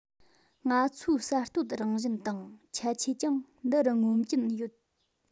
ང ཚོའི གསར གཏོད རང བཞིན དང ཁྱད ཆོས ཀྱང འདི རུ ངོམ གྱིན ཡོད